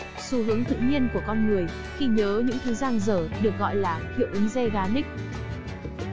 xu hướng tự nhiên của con người khi nhớ những thứ dang dở được gọi là hiệu ứng zeigarnik